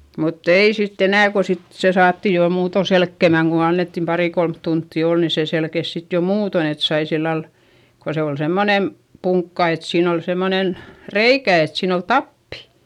mutta ei sitten enää kun sitten se saatiin jo muuten selkeämään kun annettiin pari kolme tuntia olla niin se selkesi sitten jo muuten että sai sillä lailla kun se oli semmoinen punkka että siinä oli semmoinen reikä että siinä oli tappi